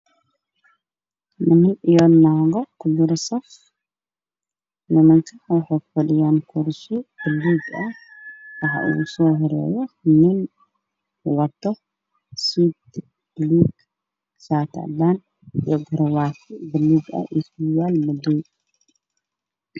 Waa niman iyo naago waxa ay fadhiyaan hool waxay ku fadhiyaan kuraas buluug ah shir ay ku jiraan